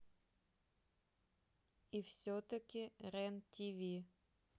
и все таки рен ти ви